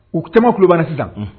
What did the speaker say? U caman kubali sisan